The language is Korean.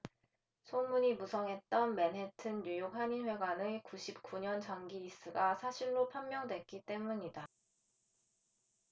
소문이 무성했던 맨해튼 뉴욕한인회관의 구십 구 년 장기리스가 사실로 판명됐기때문이다